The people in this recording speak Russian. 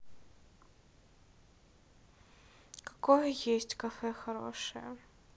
какое есть кафе хорошее